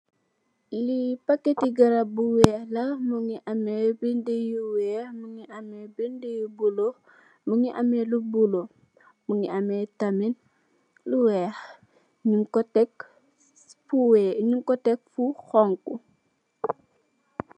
Li packet ti garab bu wheh la mungi ameeh bindi yu wheh mugi ameh bindi yu bulo mungi ameh lu bulo mungi ameh tamit lu wheh nyung ko tekk fu khonkho.